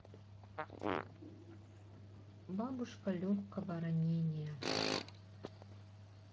бабушка легкого ранения